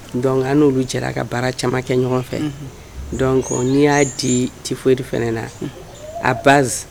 Don n'olu jɛra a ka baara caman kɛ ɲɔgɔn fɛ dɔn n'i y'a di tɛ foyi de fana na a ba